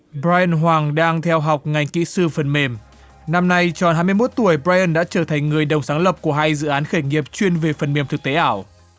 bờ roen hoàng đang theo học ngành kỹ sư phần mềm năm nay tròn hai mươi mốt tuổi bờ roen đã trở thành người đồng sáng lập của hai dự án khởi nghiệp chuyên về phần mềm thực tế ảo